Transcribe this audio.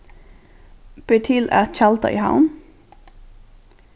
ber til at tjalda í havn